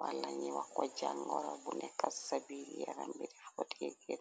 wala ni wako jangoro bu nekka sa birr yaram daf ko de gene.